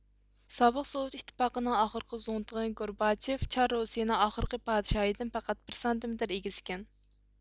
سابىق سوۋېت ئىتتىپاقىنىڭ ئاخىرقى زۇڭتۇڭى گورباچېف چار رۇسىيىنىڭ ئاخىرقى پادىشاھىدىن پەقەت بىر سانتىمېتىر ئېگىز ئىكەن